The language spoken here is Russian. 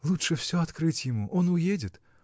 — Лучше всё открыть ему — он уедет.